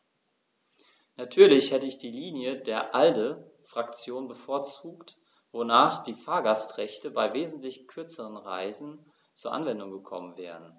Natürlich hätte ich die Linie der ALDE-Fraktion bevorzugt, wonach die Fahrgastrechte bei wesentlich kürzeren Reisen zur Anwendung gekommen wären.